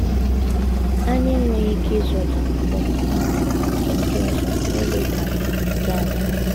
Anyị enweghị ike ịzọda abụmụmmadụ nke ndị ọzọ n'eledaghị nke anyị anya.